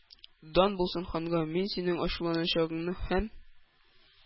— дан булсын ханга, мин синең ачуланачагыңны һәм